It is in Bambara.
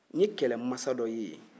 n ye kɛlɛmasa dɔ ye yen